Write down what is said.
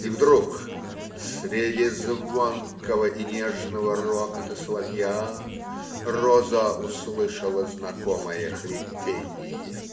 и вдруг, среди звонкого и нежного рокота соловья, роза услышала знакомое хрипение